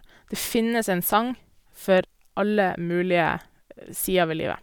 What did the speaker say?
Det finnes en sang for alle mulige sider ved livet.